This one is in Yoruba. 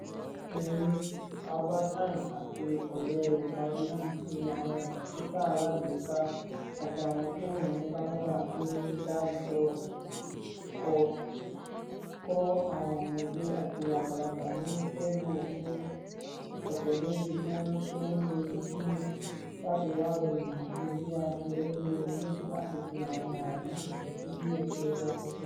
Èmi, Albertine àti ọ̀rẹ́ rẹ̀ Caroline fí àwọn Kọ̀ńpútà alágbéká àti àwọ̀n fóònù oní-kámẹ́rà tí wọ́n dá jọ kọ́ àwọn ọmọde àti àgbàlagbà ní Ségou fún ọ̀sẹ̀ mèjì bí wọ́n ṣe ń lo Google láti wá ìròyìn àti bí a ṣe ń lo Web láti fi àwọn àwòrán àti fídíò sí orí áfẹ́fẹ́.